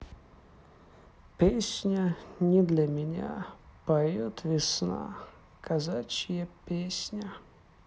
песня не для меня поет весна казачья песня